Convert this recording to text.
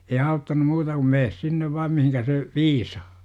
ei auttanut muuta kuin mene sinne vain mihin se viisaa